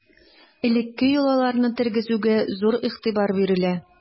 Элекке йолаларны тергезүгә зур игътибар бирелә.